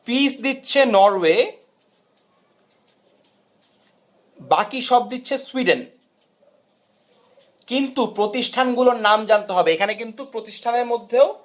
piece দিচ্ছে Norway বাকি সব দিচ্ছে সুইডেন কিন্তু প্রতিষ্ঠানগুলোর নাম জানতে হবে এখানে কিন্তু প্রতিষ্ঠান মধ্যেও